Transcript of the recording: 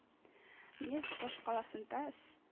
Нефть башкаласында с